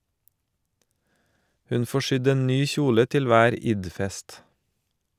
Hun får sydd en ny kjole til hver Id-fest.